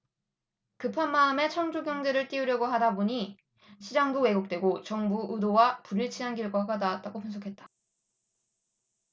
급한 마음에 창조경제를 띄우려고 하다 보니 시장도 왜곡되고 정부 의도와 불일치한 결과가 나타났다고 분석했다